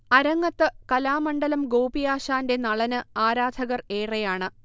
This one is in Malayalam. അരങ്ങത്ത് കലാമണ്ഡലം ഗോപിയാശാന്റെ നളന് ആരാധകർ ഏറെയാണ്